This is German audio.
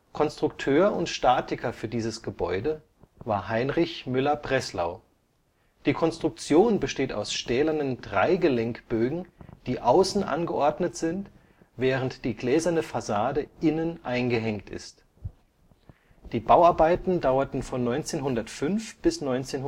Konstrukteur und Statiker für dieses Gebäude war Heinrich Müller-Breslau. Die Konstruktion besteht aus stählernen Dreigelenkbögen, die außen angeordnet sind, während die gläserne Fassade innen eingehängt ist. Die Bauarbeiten dauerten von 1905 bis 1907